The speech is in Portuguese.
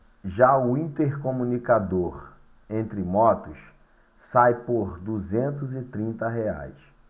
já o intercomunicador entre motos sai por duzentos e trinta reais